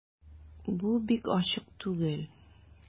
Бу бик ачык түгел...